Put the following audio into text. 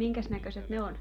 minkäs näköiset ne on